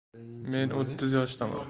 men o'ttiz yoshdaman